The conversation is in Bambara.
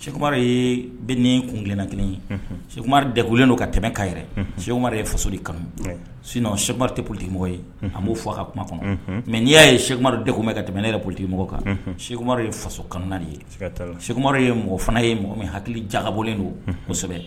Sɛkukuma ye bɛ ni kun gɛnna kelen ye sekukumari deglen don ka tɛmɛkan yɛrɛ sekukuma ye faso de kami sin sɛkumamari tɛolikimɔgɔ ye a b'o fɔ a ka kuma kɔnɔ mɛ n'i y'a ye sekuru dek ka tɛmɛ ne yɛrɛolikimɔgɔ kan seku ye faso kanu de ye sekukuma ye mɔgɔ fana ye mɔgɔ min hakili jaka bɔlen donsɛbɛ